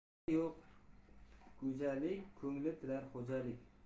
uyida yo'q go'jalik ko'ngli tilar xo'jalik